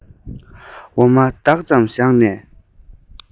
འོ མ ལྡག མཚམས བཞག ནས